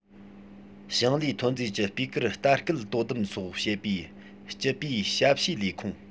ཞིང ལས ཐོན རྫས ཀྱི སྤུས ཀར ལྟ སྐུལ དོ དམ སོགས བྱེད པའི སྤྱི པའི ཞབས ཞུའི ལས ཁུངས